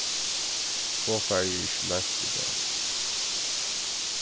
flogfarið er ikki lent í dag